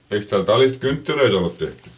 eikös täällä talista kynttilöitä olla tehty